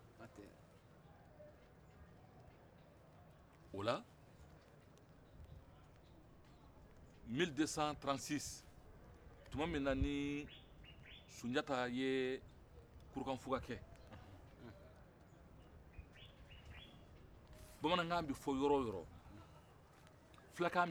mili desan tarante sise tuma min na ni sunjata ye kurukanfuga kɛ bamanankan bɛ fɔ yɔrɔ o yɔrɔ fulakan bɛ fɔ yɔrɔ o yɔrɔ bɔbɔkan bɛ fɔ yɔrɔ o yɔrɔ